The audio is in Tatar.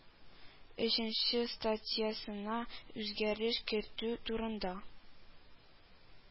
Өченче статьясына үзгәреш кертү турында